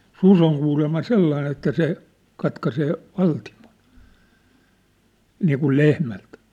susi on kuulemma sellainen että se katkaisee valtimon niin kuin lehmältä